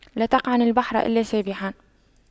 لا تقعن البحر إلا سابحا